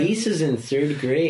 And Lisa's in third grade.